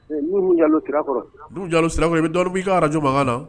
' arajbaga na